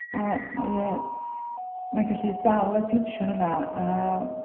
A ma'i, yy. Ma' hi'n gallu dal y tensiwn yna, a...